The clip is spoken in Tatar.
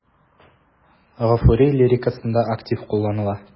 Гафури лирикасында актив кулланыла.